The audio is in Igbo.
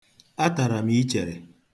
Atara m ichere.